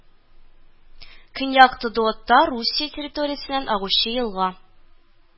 Көньяк Тыдыотта Русия территориясеннән агучы елга